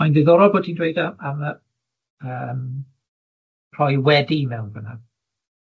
Mae'n ddiddorol bo' ti dweud yy am y yym rhoi wedi mewn fyn 'na.